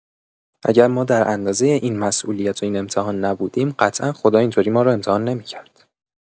اگر ما در اندازه این مسئولیت و این امتحان نبودیم، قطعا خدا این‌طوری ما را امتحان نمی‌کرد.